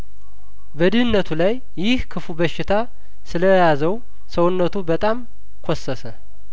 በድህነቱ ላይ ይህ ክፉ በሽታ ስለያዘው ሰውነቱ በጣም ኰሰሰ